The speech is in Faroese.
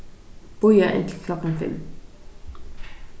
bíða inntil klokkan fimm